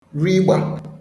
rigbà